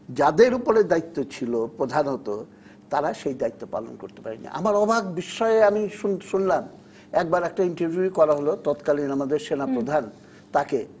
যাদের উপরে দায়িত্ব ছিল প্রধানত তারা সেই দায়িত্ব পালন করতে পারেনি আমার অবাক বিস্ময়ে আমি শুনলাম একবার একটা ইন্টারভিউ করা হল তৎকালীন আমাদের সেনাপ্রধান তাকে